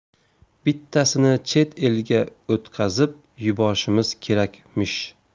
bittasini chet elga o'tkazib yuborishimiz kerakmish